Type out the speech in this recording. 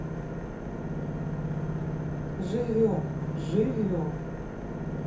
живем живем